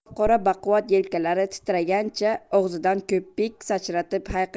qop qora baquvvat yelkalari titragancha og'zidan ko'pik sachratib hayqirdi